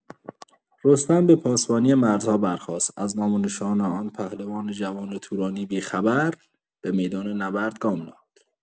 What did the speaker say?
رستم، به پاسبانی مرزها برخاست، از نام و نشان آن پهلوان جوان تورانی بی‌خبر، به میدان نبرد گام نهاد.